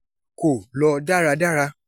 Kò Lọ Dáradara